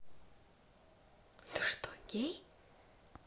ты что гей